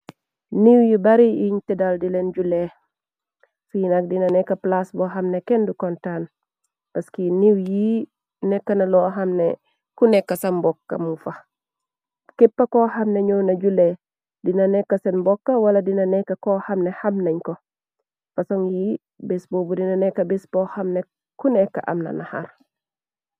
Niiw yu bari yuñ tedal dileen julee, fiinak dina nekk plaas boo xamne, kendu kontaan, paski niiw yi nekk na loo xamne ku nekk sa mbokka mu fa, képpa ko xam ne ñoow na julee dina nekk seen mbokk wala dina nekk koo xamne xam nañ ko, pasoŋ yi bés boo bu dina nekk bés boo xamne ku nekk am na naxar.